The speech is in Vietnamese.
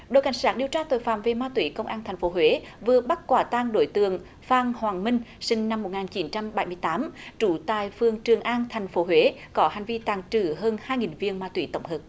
đội cảnh sát điều tra tội phạm về ma túy công an thành phố huế vừa bắt quả tang đối tượng phan hoàng minh sinh năm một nghìn chín trăm bảy mươi tám trú tại phường trường an thành phố huế có hành vi tàng trữ hơn hai nghìn viên ma túy tổng hợp